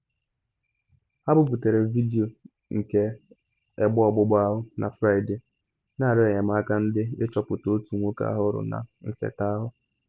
Ha buputere vidio nke egbe ọgbụgba ahụ na Fraịde, na arịọ enyemaka na ịchọpụta otu nwoke ahụrụ na nseta ahụ.